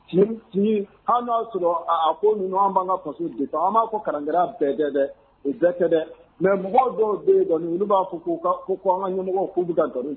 N'a sɔrɔ a ko ninnu an b'an ka bisa an b'a ko kalankɛra bɛɛ dɛ dɛ o bɛɛ kɛ dɛ mɛ mɔgɔ dɔw bɛ dɔn olu b'a fɔ k' an ka ɲɛmɔgɔ k'u bɛ dan dɔn